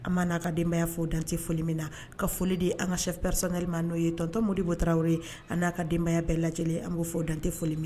An' n'a ka denbayaya'o dante foli min na ka foli de ye an ka shɛprisaggarima n'o ye tɔntɔntomo debota ye an n'a ka denbaya bɛɛ lajɛ lajɛlen an b' fɔ o dantɛ folioli minɛ na